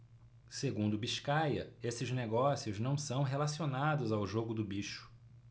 segundo biscaia esses negócios não são relacionados ao jogo do bicho